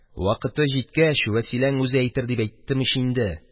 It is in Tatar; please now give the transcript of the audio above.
Вакыты җиткәч, Вәсиләң үзе дә әйтер дип әйттем ич инде.